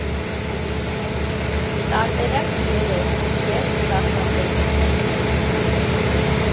Տարբերակ երրորդ (և սարսափելի).